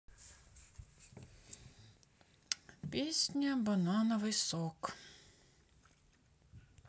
песня банановый сок